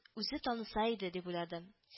Үзе таныса иде, дип уйлады